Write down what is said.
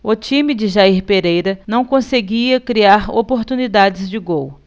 o time de jair pereira não conseguia criar oportunidades de gol